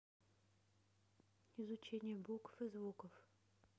изучение букв и звуков